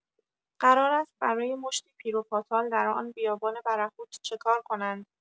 قرار است برای مشتی پیر و پاتال در آن بیابان برهوت چکار کنند